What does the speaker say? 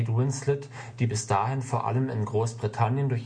Winslet, die bis dahin vor allem in Großbritannien